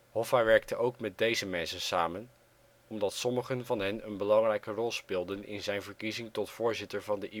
Hoffa werkte ook met deze mensen samen, omdat sommigen van hen een belangrijke rol speelden in zijn verkiezing tot voorzitter van de